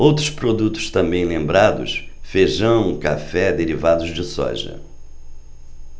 outros produtos também lembrados feijão café e derivados de soja